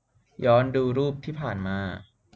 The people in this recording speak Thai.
ย้อนดูรูปที่ผ่านมา